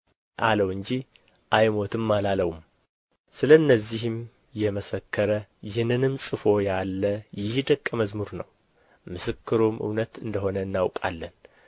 አለው እንጂ አይሞትም አላለውም ስለ እነዚህም የመሰከረ ይህንንም ጽፎ ያለ ይህ ደቀ መዝሙር ነው ምስክሩም እውነት እንደ ሆነ እናውቃለን